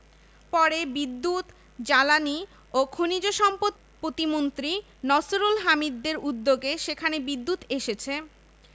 পরে বিদ্যুৎ জ্বালানি ও খনিজ সম্পদ প্রতিমন্ত্রী নসরুল হামিদদের উদ্যোগে সেখানে বিদ্যুৎ এসেছে